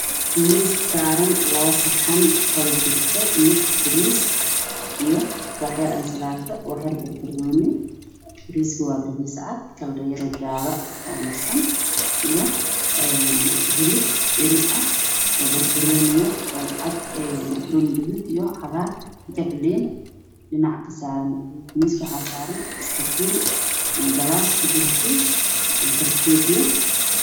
Miis saaran labo saxan kujiro ku kala jirto bariis moos bariis cad